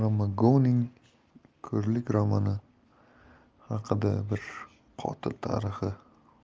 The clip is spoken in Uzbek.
romani haqidabir qotil tarixi